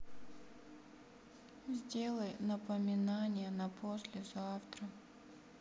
сделай напоминание на послезавтра